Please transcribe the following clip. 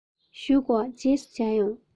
བཞུགས དགོས རྗེས སུ མཇལ ཡོང